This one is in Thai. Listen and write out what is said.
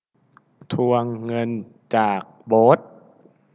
ทวงเงินจากโบ๊ท